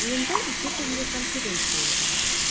Җыенда ике төрле конференция уза.